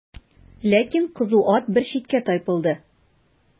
Ләкин кызу ат бер читкә тайпылды.